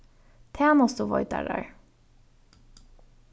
tænastuveitarar